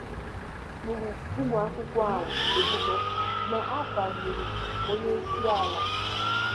E boro ụmụakwụkwọ ahụ ebubo na ha "kparịrị onyeisiala."